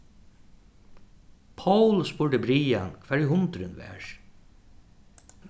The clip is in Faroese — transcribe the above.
poul spurdi brian hvar ið hundurin var